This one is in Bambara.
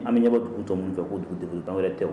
An bɛ ɲɛbɔ dugu tɔ minnu fɛ k'o dugu dévelop anw yɛrɛ tɛ